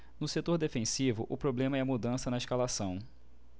no setor defensivo o problema é a mudança na escalação